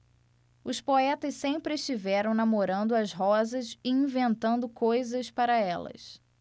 os poetas sempre estiveram namorando as rosas e inventando coisas para elas